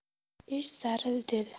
ish zaril dedi